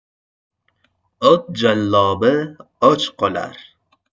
ot jallobi och qolar